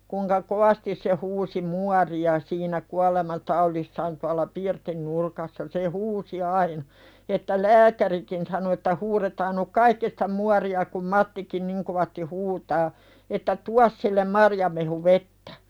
kuinka kovasti se huusi muoria siinä kuolemantaudissaan tuolla pirtin nurkassa se huusi aina että lääkärikin sanoi että huudetaan nyt kaikki sitä muoria kun Mattikin niin kovasti huutaa että tuo sille marjamehuvettä